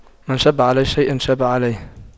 من شَبَّ على شيء شاب عليه